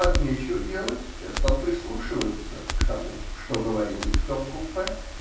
От нечего делать я стал прислушиваться к тому, что говорилось в том купе.